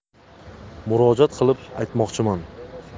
murojaat qilib aytmoqchiman